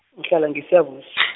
ngihlala ngeSiyabuswa.